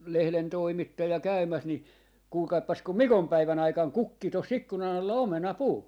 lehden toimittaja käymässä niin kuulkaapas kun mikonpäivän aikana kukki tuossa ikkunan alla omenapuu